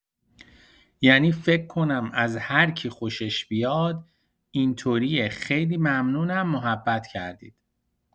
یعنی فکر کنم از هرکی خوشش بیاد اینطوریه خیلی ممنونم محبت کردید